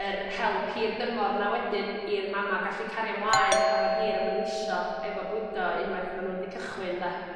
yr help hir-dymor 'na wedyn i'r mama gallu cario mlaen pa mor hir a ma' n'w isio efo bwydo unwaith ma' n'w 'di cychwyn 'de?